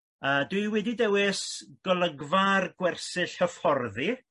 Yy dwi wedi dewis golygfa'r gwersyll hyfforddi